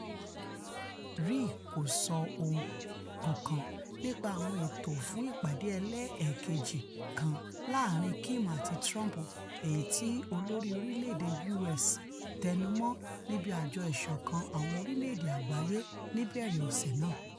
Ri kò sọ ohun kankan nípa àwọn ètò fún ìpàdé ẹlẹ́ẹ̀keji kan láàrin Kim àti Trump èyití olórí orílẹ̀-èdè U.S. tẹnumọ́ níbi Àjọ Ìṣọ̀kan Àwọn orílẹ̀-èdè Àgbáyé níbẹ̀rẹ̀ ọ̀sẹ̀ náà.